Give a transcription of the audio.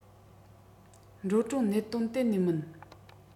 འགྲོ གྲོན གནད དོན གཏན ནས མིན